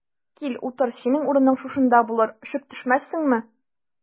Кил, утыр, синең урының шушында булыр, очып төшмәссеңме?